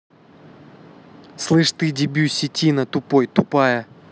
слышь ты дебюсси тина тупой тупая